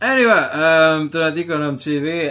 Eniwe yym dyna ddigon am tŷ fi!